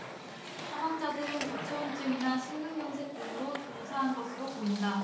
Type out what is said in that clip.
사망자들은 저체온증이나 심근경색 등으로 동사한 것으로 보인다